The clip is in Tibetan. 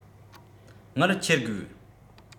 དངུལ འཁྱེར དགོས